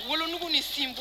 Woloundugu ni sin bɔ